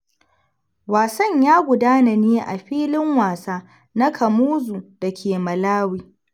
Wasan ya gudana ne a Filin Wasa na Kamuzu da ke Malawi.